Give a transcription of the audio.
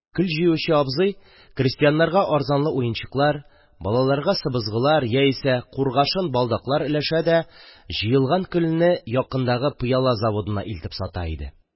Көл җыючы абзый крәстиәннәргә арзанлы уенчыклар – балаларга сыбызгылар яисә кургашын балдаклар өләшә дә, җыелган көлне якындагы пыяла заводына илтеп сата иде.